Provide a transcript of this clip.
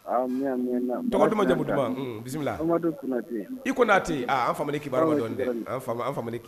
Amina, amina, tɔgɔ duman jamu duman ,bisimilla, Amadu Konate I Konte Aa, an famana i kibaruya ma dɔɔni dɛ,ɔ Sikɔrɔni, an famana